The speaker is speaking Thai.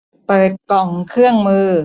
เปิดกล่องเครื่องมือ